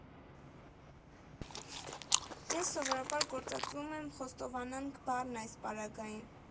Ես սովորաբար գործածում եմ խոստովանանք բառն այս պարագային։